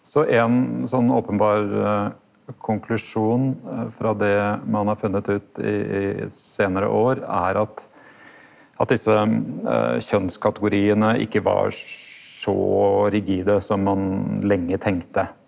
så ein sånn openberr konklusjon frå det ein har funne ut i i seinare år er at at desse kjønnskategoriane ikkje var så rigide som ein lenge tenkte.